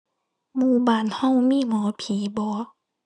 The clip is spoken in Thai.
หมู่บ้านเรามีหมอผีบ่